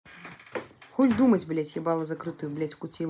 хуль думать блядь ебало закрытую блядь кутила